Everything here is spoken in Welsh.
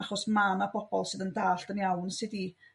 achos ma' 'na bobol sydd yn dalld yn iawn sud i